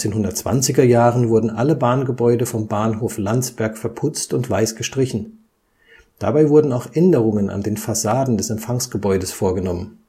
1920er Jahren wurden alle Bahngebäude vom Bahnhof Landsberg verputzt und weiß gestrichen, dabei wurden auch Änderungen an den Fassaden des Empfangsgebäudes vorgenommen